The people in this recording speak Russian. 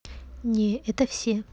не это все